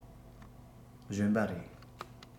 གཞོན པ རེད